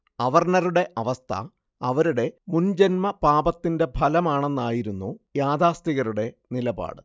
അവർണ്ണരുടെ അവസ്ഥ അവരുടെ മുജ്ജന്മപാപത്തിന്റെ ഫലമാണെന്നായിരുന്നു യാഥാസ്ഥിതികരുടെ നിലപാട്